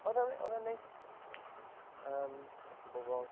Oedd e oedd e oedd e'n neis. Yym lot o bobl.